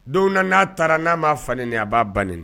Don n'a taara n'a b'a fani a b'a bani